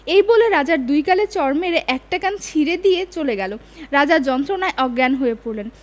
এই বলে রাজার দুই গালে চড় মেরে একটা কান ছিড়ে দিয়ে চলে গেল রাজা যন্ত্রনায় অজ্ঞান হয়ে পড়লেন